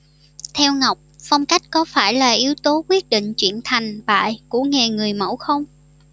theo ngọc phong cách có phải là yếu tố quyết định chuyện thành bại của nghề người mẫu không